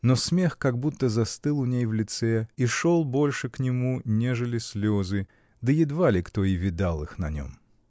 Но смех как будто застыл у ней в лице и шел больше к нему, нежели слезы, да едва ли кто и видал их на нем.